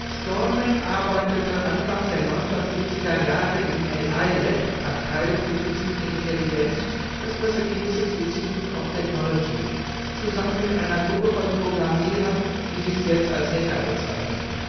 Stallman arbeitete Anfang der 1970er-Jahre im AI Lab (Abteilung für Künstliche Intelligenz) des Massachusetts Institute of Technology zusammen mit einer Gruppe von Programmierern, die sich selbst als Hacker bezeichneten